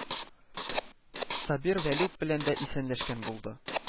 Сабир Вәлүк белән дә исәнләшкән булды